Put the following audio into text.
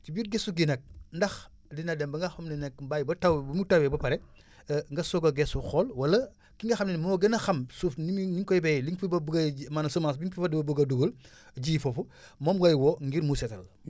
ci biir gëstu gi nag ndax dina dem ba nga xam ne nag mu bàyyi ba taw bi ba mu tawee ba pare nga soog a gëstu xool wala ki nga xam ne moo gën a xam suuf ni muy ni ñu koy bayee liñ ko fa bëggee ji maanaam semence bi ñu ko fa bëgg a dugal ji foofu moom ngay woo ngir mu seetal la